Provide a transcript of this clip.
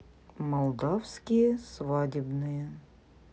молдавские свадебные